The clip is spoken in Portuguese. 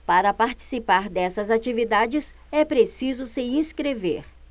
para participar dessas atividades é preciso se inscrever